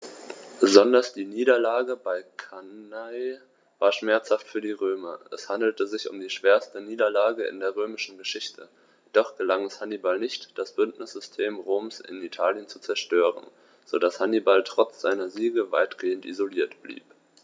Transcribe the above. Besonders die Niederlage bei Cannae war schmerzhaft für die Römer: Es handelte sich um die schwerste Niederlage in der römischen Geschichte, doch gelang es Hannibal nicht, das Bündnissystem Roms in Italien zu zerstören, sodass Hannibal trotz seiner Siege weitgehend isoliert blieb.